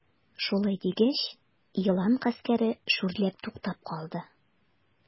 Шулай дигәч, елан гаскәре шүрләп туктап калды.